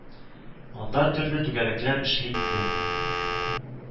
Анда төрле түгәрәкләр эшли иде